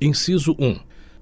inciso um